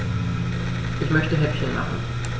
Ich möchte Häppchen machen.